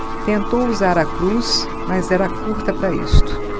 tentou usar a cruz mas era curta para isto